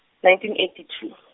nineteen eighty two.